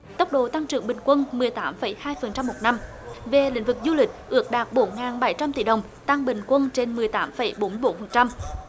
tốc độ tăng trưởng bình quân mười tám phẩy hai phần trăm một năm về lĩnh vực du lịch ước đạt bốn ngàn bảy trăm tỷ đồng tăng bình quân trên mười tám phẩy bốn bốn phần trăm